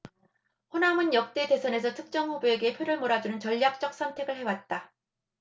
호남은 역대 대선에서 특정 후보에게 표를 몰아주는 전략적 선택을 해왔다